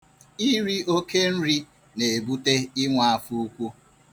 Iri oke nri na-ebute inwe afọ ukwu.